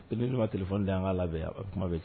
Ko ni ma tile fɔtan an' labɛn kuma bɛ